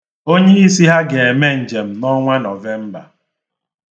Onyeisi ha ga-eme njem n'ọnwa Nọvemba.